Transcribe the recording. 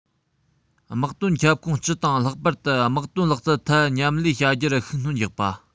དམག དོན ཁྱབ ཁོངས སྤྱི དང ལྷག པར དུ དམག དོན ལག རྩལ ཐད མཉམ ལས བྱ རྒྱུར ཤུགས སྣོན རྒྱག པ